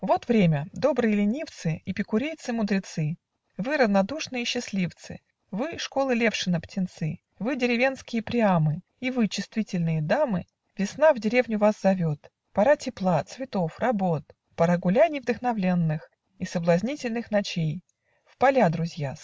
Вот время: добрые ленивцы, Эпикурейцы-мудрецы, Вы, равнодушные счастливцы, Вы, школы Левшина птенцы, Вы, деревенские Приамы, И вы, чувствительные дамы, Весна в деревню вас зовет, Пора тепла, цветов, работ, Пора гуляний вдохновенных И соблазнительных ночей. В поля, друзья!